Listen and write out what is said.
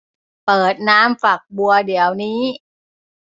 เปิดน้ำฝักบัวเดี๋ยวนี้